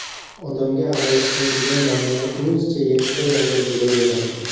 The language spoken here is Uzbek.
odamga aralashmaydigan doniyor o'zicha yakka yolg'iz yuraveradi